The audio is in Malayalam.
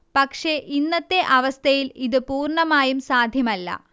പക്ഷെ ഇന്നത്തെ അവസ്ഥയിൽ ഇത് പൂർണമായും സാധ്യമല്ല